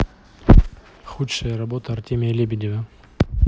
худшие работы артемия лебедева